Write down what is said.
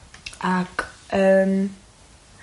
Ag yym.